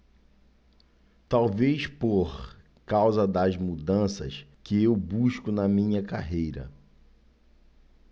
talvez por causa das mudanças que eu busco na minha carreira